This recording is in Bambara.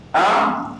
Han ?